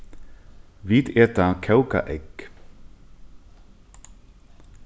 vit eta kókað egg